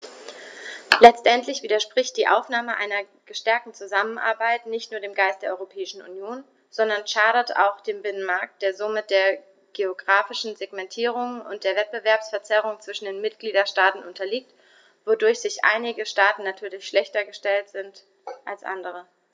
Letztendlich widerspricht die Aufnahme einer verstärkten Zusammenarbeit nicht nur dem Geist der Europäischen Union, sondern schadet auch dem Binnenmarkt, der somit der geographischen Segmentierung und der Wettbewerbsverzerrung zwischen den Mitgliedstaaten unterliegt, wodurch einige Staaten natürlich schlechter gestellt sind als andere.